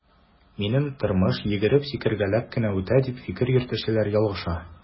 Минем тормыш йөгереп, сикергәләп кенә үтә, дип фикер йөртүчеләр ялгыша.